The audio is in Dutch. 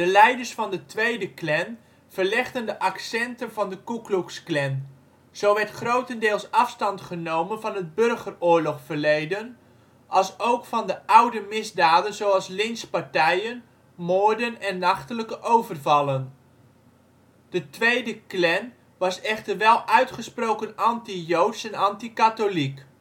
leiders van de tweede Klan verlegden de accenten van de Ku Klux Klan. Zo werd grotendeels afstand genomen van het Burgeroorlogverleden alsook van de oude misdaden zoals lynchpartijen, moorden en nachtelijke overvallen. De tweede Klan was echter wel uitgesproken anti-joods en anti-katholiek